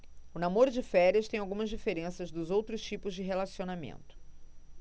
o namoro de férias tem algumas diferenças dos outros tipos de relacionamento